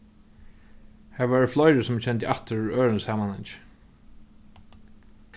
har vóru fleiri sum eg kendi aftur úr øðrum samanhangi